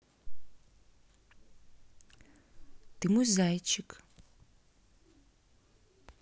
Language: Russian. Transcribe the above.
ты мой зайчик